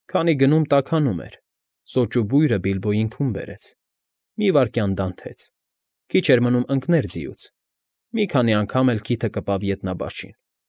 Քանի գնում տաքանում էր, սոճու բույրը Բիլբոյին քուն բերեց, մի վայրկյան դանթեց, քիչ էր մնում ընկներ ձիուց, մի քանի անգամ էլ քիթը կպավ ետնաբաշին։